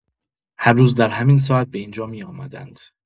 هر روز در همین ساعت به این‌جا می‌آمدند.